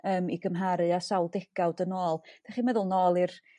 yrm i gymharu â sawl degawd yn ôl, 'dach chi'n meddwl nol i'r...